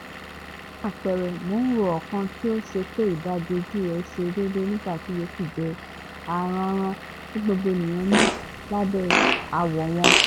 Fún àpẹẹrẹ, mò ń ro ọ̀kan tí ó ṣe pé ìdajì ojú rẹ̀ ṣe déédéé nígbàtí ìyókù jẹ́ aranran tí gbogbo ènìyàn ní lábẹ́ awọ wọn.